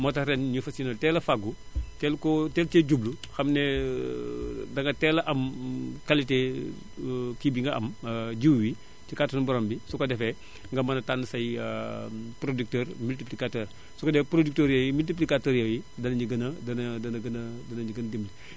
moo tax ren ñu fas yéene teel a fàggu teel koo teel cee jublu xam ne danga teel a am qualité kii bi nga am jiwu yi ci katanu boroom bi su ko defee nga mën a tànn say producteurs multiplicateurs su ko defee producteurs yi multiplicateurs yooyu dinañu gën a dana gën a dana gën dimbali